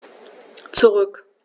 Zurück.